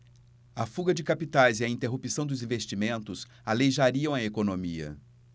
a fuga de capitais e a interrupção dos investimentos aleijariam a economia